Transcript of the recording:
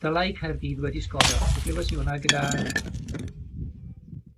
Dylai Caerdydd wedi sgorio, fe glywes i 'wnna gyda,